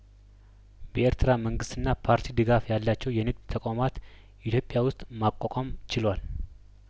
በኤርትራ መንግስትና ፓርቲ ድጋፍ ያላቸው የንግድ ተቋማት ኢትዮጵያ ውስጥ ማቋቋም ችሏል